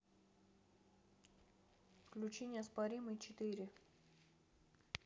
включи неоспоримый четыре